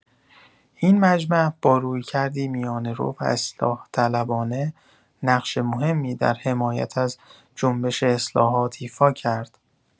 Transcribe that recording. این مجمع با رویکردی میانه‌رو و اصلاح‌طلبانه، نقش مهمی در حمایت از جنبش اصلاحات ایفا کرد.